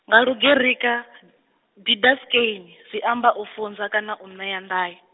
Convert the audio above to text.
nga lugerika, didaskein, zwi amba u funza kana u ṋea ndayo.